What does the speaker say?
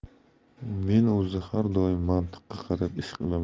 men o'zi har doim mantiqqa qarab ish qilaman